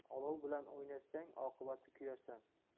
olov bilan o'ynashsang oqibati kuyarsan